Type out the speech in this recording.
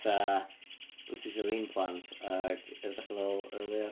Ta wyt ti isio ddim plant ac edrych ar ôl y ddaear?